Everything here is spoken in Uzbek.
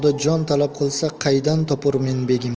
jon talab qilsa qaydan topurmen begim